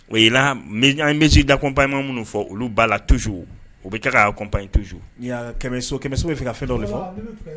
O yi an bɛ dapman minnu fɔ olu ba la tusu u bɛ taa ka' copyi tusu kɛmɛso bɛ fɛ ka fɛn dɔ de fɔ